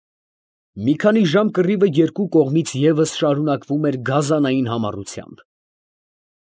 Մի քանի ժամ կռիվը երկու կողմից ևս շարունակվում էր գազանային համառությամբ։